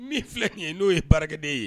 Min filɛ tun ye n'o ye baaraden ye